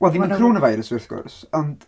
Wel ddim yn coronavirus wrth gwrs, ond...